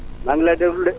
maa ngi lay déglu de